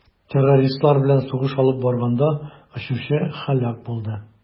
Террористлар белән сугыш алып барганда очучы һәлак булды.